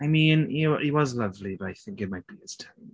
I mean he wa- he was lovely but I think it might be his time.